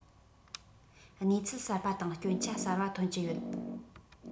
གནས ཚུལ གསར པ དང སྐྱོན ཆ གསར པ ཐོན གྱི ཡོད